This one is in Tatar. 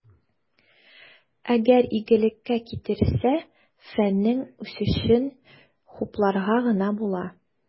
Әгәр игелеккә китерсә, фәннең үсешен хупларга гына була.